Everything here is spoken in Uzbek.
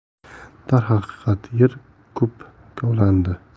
darhaqiqat yer ko'p kavlandi